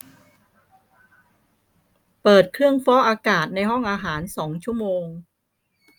เปิดเครื่องฟอกอากาศในห้องอาหารสองชั่วโมง